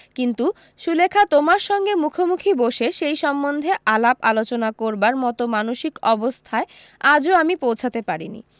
কিন্তু সুলেখা তোমার সঙ্গে মুখোমুখি বসে সে সম্বন্ধে আলাপ আলোচনা করবার মতো মানসিক অবস্থায় আজও আমি পৌঁছাতে পারিনি